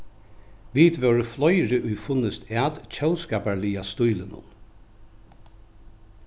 vit vóru fleiri ið funnust at tjóðskaparliga stílinum